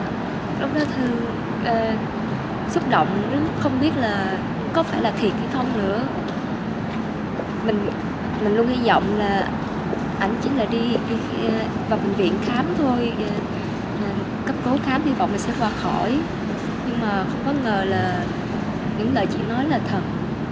lúc đó thư xúc động lắm không biết là có phải là thiệt không nữa mình luôn hi vọng là ảnh chỉ là đi vào bệnh viện khám thôi cấp cứu khám hi vọng là sẽ qua khỏi nhưng mà không có ngờ những lời chỉ nói là thật